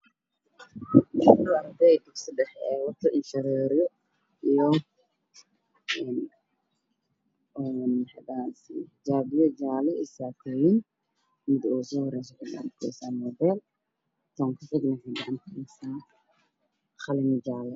Waa arday da gabdhaha wataan tarjaalo madow ah waana afar gabdhood